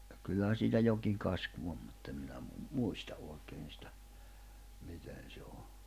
kyllähän siitä jokin kasku on mutta en minä - muista oikein sitä miten se on